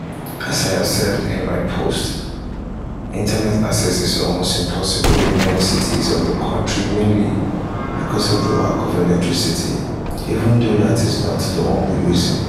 As I said in my posts [Fr], internet access is almost impossible in many cities of the country mainly because of the lack of electricity even though that is not the only reason.